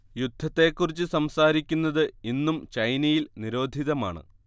യുദ്ധത്തെക്കുറിച്ച് സംസാരിക്കുന്നത് ഇന്നും ചൈനയിൽ നിരോധിതമാണ്